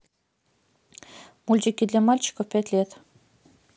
мультики для мальчиков пять лет